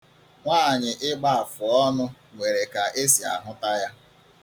Nwaanyị ịgba àfùọnụ̄ nwere ka e si ahụta ya.